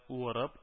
Уырып